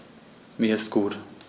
Mir ist gut.